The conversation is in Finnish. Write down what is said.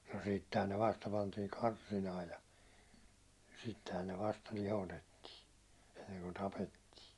no sittenhän ne vasta pantiin karsinaan ja sittenhän ne vasta lihotettiin ennen kuin tapettiin